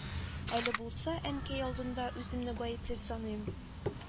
Әле булса әнкәй алдында үземне гаепле саныйм.